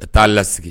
A t'a lasigi